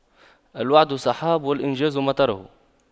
الوعد سحاب والإنجاز مطره